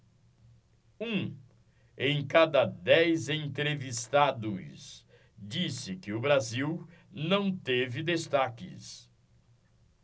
um em cada dez entrevistados disse que o brasil não teve destaques